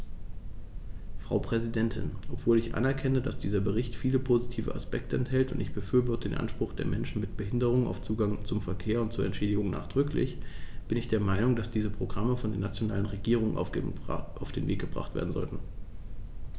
Frau Präsidentin, obwohl ich anerkenne, dass dieser Bericht viele positive Aspekte enthält - und ich befürworte den Anspruch der Menschen mit Behinderung auf Zugang zum Verkehr und zu Entschädigung nachdrücklich -, bin ich der Meinung, dass diese Programme von den nationalen Regierungen auf den Weg gebracht werden sollten.